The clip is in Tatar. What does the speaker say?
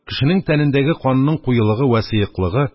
Кешенең тәнендәге канының куелыгы вә сыеклыгы,